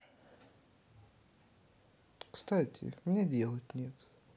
кстати мне делать нет